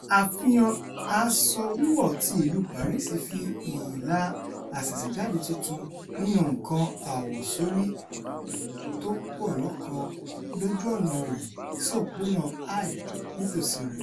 Àfihàn aṣọ wíwọ̀ ti ìlú Paris fi ìlà àṣẹ̀ṣẹ̀jáde tuntun nínú nǹkan àwọ̀sóri tópọlọ́kan lójú ọ̀nà rẹ̀ sí Òpópónà High nítòsí rẹ.